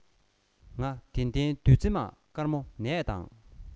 ང བདེ ལྡན བདུད རྩི མ དཀར མོ ནས དང